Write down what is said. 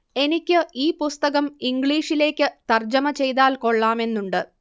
എനിക്ക് ഈ പുസ്തകം ഇംഗ്ലീഷിലേക്ക് തർജ്ജമ ചെയ്താൽ കൊള്ളാമെന്നുണ്ട്